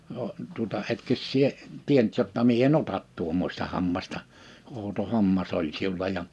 - tuota etkös sinä tiennyt jotta minä en ota tuommoista hammasta outo hammas oli sinulla ja